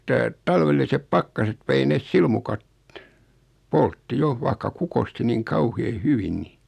että talvelliset pakkaset vei ne silmukat poltti jo vaikka kukoisti niin kauhean hyvin niin